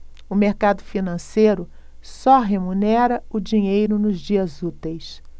o mercado financeiro só remunera o dinheiro nos dias úteis